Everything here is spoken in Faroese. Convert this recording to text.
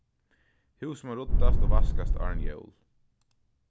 húsið má ruddast og vaskast áðrenn jól